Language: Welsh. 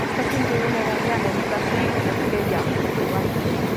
os 'dach chi'n byw yn yr Ariannin, 'dach chi yn y Gaea rŵan.